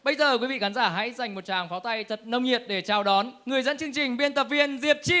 bây giờ quý vị khán giả hãy dành một tràng pháo tay thật nồng nhiệt để chào đón người dẫn chương trình biên tập viên diệp chi